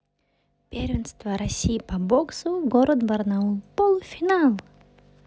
первенство россии по боксу город барнаул полуфинал